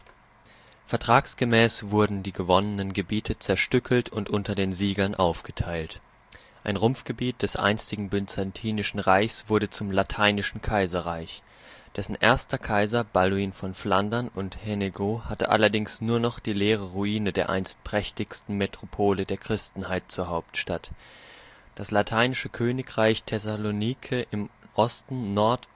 Vertragsgemäß wurden die gewonnenen Gebiete zerstückelt und unter den Siegern aufgeteilt. Ein Rumpfgebiet des einstigen Byzantinischen Reichs wurde zum Lateinischen Kaiserreich. Dessen erster Kaiser, Balduin von Flandern und Hennegau, hatte allerdings nur noch die leere Ruine der einst prächtigsten Metropole der Christenheit zur Hauptstadt. Das Lateinische Königreich Thessalonike im Osten Nord